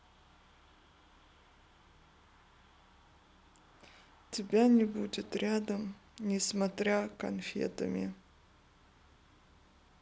тебя не будет рядом несмотря конфетами